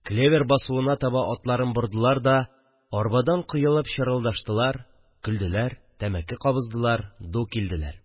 Клевер басуына таба атларын бордылар да, арбадан коелып чырылдаштылар, көлделәр, тәмәке кабыздылар – ду килделәр